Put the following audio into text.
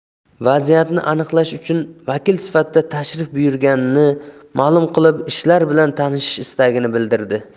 vaziyatni aniqlash uchun vakil sifatida tashrif buyurganini malum qilib ishlar bilan tanishish istagini bildirdi